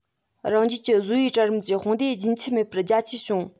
རང རྒྱལ གྱི བཟོ པའི གྲལ རིམ གྱི དཔུང སྡེ རྒྱུན ཆད མེད པར རྒྱ སྐྱེད བྱུང